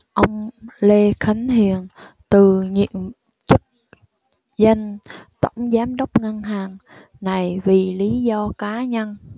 ông lê khánh hiền từ nhiệm chức danh tổng giám đốc ngân hàng này vì lý do cá nhân